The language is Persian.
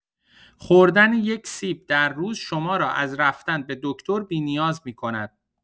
خوردن ۱ سیب در روز شما را از رفتن به دکتر بی‌نیاز می‌کند.